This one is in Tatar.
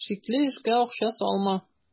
Шикле эшкә акча салма.